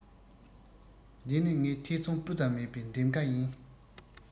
འདི ནི ངའི ཐེ ཚོ སྤུ ཙམ མེད པའི འདེམས ཁ ཡིན